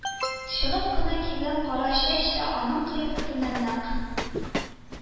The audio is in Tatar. Чыгып кына килгән кара чәч тә аның кыяфәтенә нәкъ